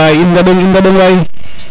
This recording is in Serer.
waay in ndandong waay in ndandong way